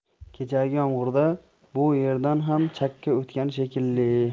kechagi yomg'irda bu yerdan ham chakka o'tgan shekilli